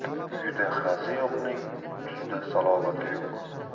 uyida hazi yo'qning tuzda salobati yo'q